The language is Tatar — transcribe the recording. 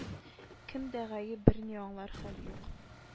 Кемдә гаеп берни аңлар хәл юк